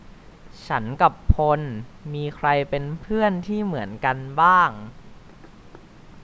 ฉันกับพลมีใครเป็นเพื่อนที่เหมือนกันบ้าง